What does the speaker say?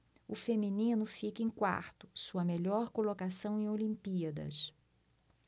o feminino fica em quarto sua melhor colocação em olimpíadas